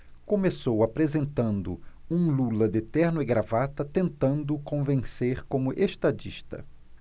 começou apresentando um lula de terno e gravata tentando convencer como estadista